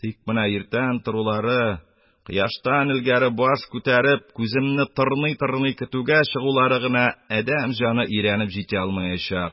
Тик менә иртә торулары, кояштан элгәре баш күтәреп, күземне тырный-тырный көтүгә чыгулары гына - адәм җаны өйрәнеп җитә алмаячак